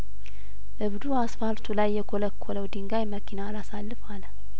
እብዱ አስፋልቱ ላይ የኰለኰለው ድንጋይ መኪና አላሳልፍ አለ